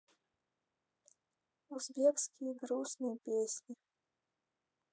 узбекские грустные песни